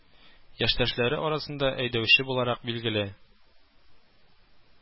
Яшьтәшләре арасында әйдәүче буларак билгеле